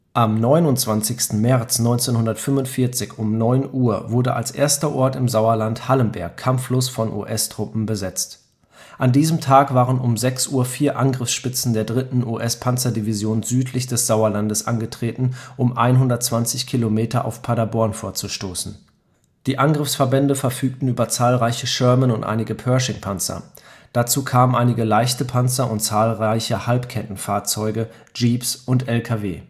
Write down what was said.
Am 29. März 1945 um 9 Uhr wurde als erster Ort im Sauerland Hallenberg kampflos von US-Truppen besetzt. An diesem Tag waren um 6 Uhr vier Angriffsspitzen der 3. US-Panzerdivision südlich des Sauerlandes angetreten, um 120 km auf Paderborn vorzustoßen. Die Angriffsverbände verfügten über zahlreiche Sherman - und einige Pershing-Panzer; dazu kamen einige leichte Panzer und zahlreiche Halbkettenfahrzeuge, Jeeps und LKW